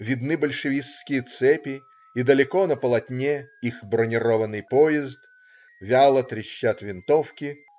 Видны большевистские цепи и далеко на полотне их бронированный поезд. Вяло трещат винтовки.